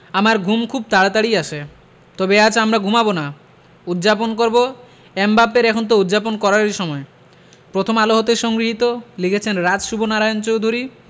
আমার ঘুম খুব তাড়াতাড়িই আসে তবে আজ আমরা ঘুমাব না উদ্ যাপন করব এমবাপ্পের এখন তো উদ্ যাপন করারই সময় প্রথম আলো হতে সংগৃহীত লিখেছেন রাজ শুভ নারায়ণ চৌধুরী